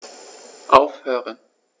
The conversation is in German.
Aufhören.